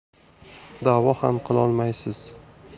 da'vo ham qilolmaysiz